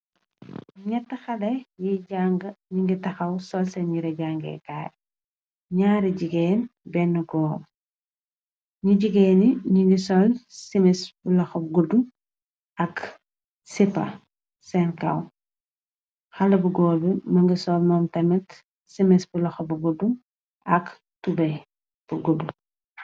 ñett xale yiy jàng ñi ngi taxaw solse nira jangeekaay ñaari jigéen benn goob ñi jigeeni ñi ngi sol simes bu laxab guddu ak sepa sen kow xale bu goobe mënga sol moom tamit sémis bu laxob guddu ak tube bu gudd